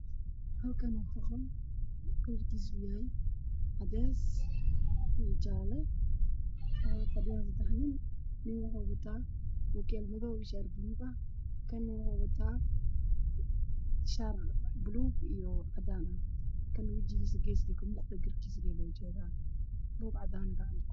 Halkaan waa qol kalarkiisu waa cadeys iyo jaale, waxaa fadhiyo niman, nin waxuu wataa surwaal madow ah iyo shaati buluug ah, kana waxuu wataa shaati buluug iyo cadaan ah, kana wajigiisa gees kamuuqdo iyo garkiise lee loo jeedaa.